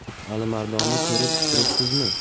alimardonni ko'rib turibsizmi